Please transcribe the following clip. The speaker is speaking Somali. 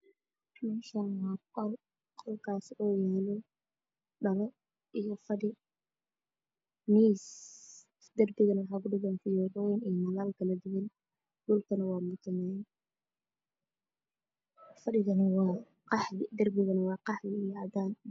Meeshaan waa qol waxaa yaalo fadhi iyo dhalo, miis. Darbiga waxaa kudhagan daahman iyo nalal kale duwan. Dhulkana waa cadaan, fadhigu waa qaxwi, darbiguna Waa qaxwi.